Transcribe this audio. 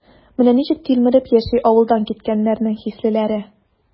Менә ничек тилмереп яши авылдан киткәннәрнең хислеләре?